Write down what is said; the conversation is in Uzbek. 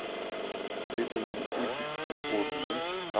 reytingning ilk uchta o'rnini